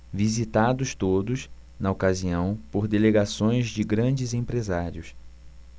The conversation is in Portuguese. visitados todos na ocasião por delegações de grandes empresários